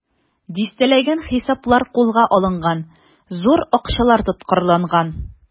Дистәләгән хисаплар кулга алынган, зур акчалар тоткарланган.